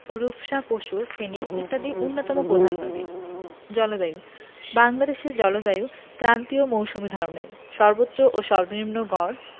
রূপসা পসুর ফেনী ইত্যাদি অন্যতম প্রধান নদী জলবায়ুঃ বাংলাদেশের জলবায়ু ক্রান্তীয় মৌসুমি ধরনের সর্বোচ্চ ও সর্বনিম্ন গড়